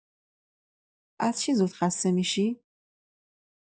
از چی زود خسته می‌شی؟